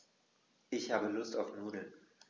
Ich habe Lust auf Nudeln.